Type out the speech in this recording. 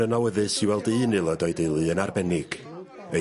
...yn awyddus i weld y un aelod o'i deulu yn arbennig ei...